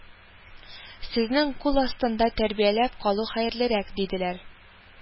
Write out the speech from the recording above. Сезнең кул астында тәрбияләп калу хәерлерәк» диделәр